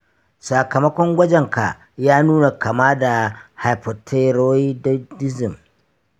sakamakon gwajenka ya nuna kana da hypothyroidism